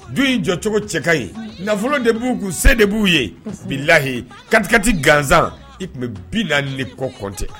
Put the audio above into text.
Du in jɔcogo cɛ ka ɲi nafolo de b'u kun se de b'u ye kɔsɛbɛ bilahii 4 - 4 gansaan i tun bɛ 40 ni kɔ compter